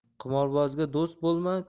qimorbozga do'st bo'lma